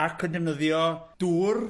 Ac yn defnyddio dŵr?